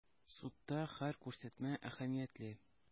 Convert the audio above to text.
Судта һәр күрсәтмә әһәмиятле.